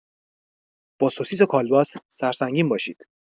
با سوسیس و کالباس سرسنگین باشید.